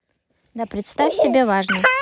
да представь себе важно